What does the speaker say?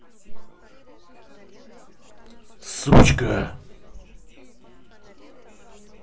сучка